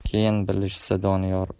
keyin bilishsa doniyor